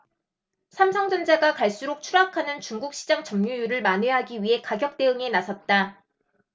삼성전자가 갈수록 추락하는 중국 시장 점유율을 만회하기 위해 가격 대응에 나섰다